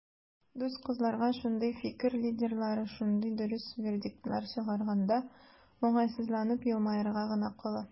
Дус кызларга шундый "фикер лидерлары" шундый дөрес вердиктлар чыгарганда, уңайсызланып елмаерга гына кала.